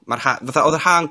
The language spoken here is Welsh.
...ma'r ha', fatha odd yr ha'n